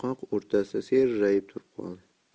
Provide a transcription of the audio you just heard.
qoq o'rtasida serrayib turib qoldi